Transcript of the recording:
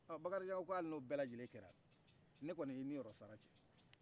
bakarijan ko ko ali n'o bɛlajelen kɛɛra ne koni y'i ninyɔrɔsara cɛ